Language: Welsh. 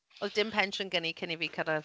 Oedd dim pensiwn gen i cyn i fi cyrraedd.